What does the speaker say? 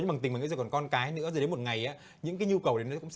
bằng tình bằng nghĩa rồi còn con cái nữa rồi đến một ngày những cái nhu cầu ấy nó cũng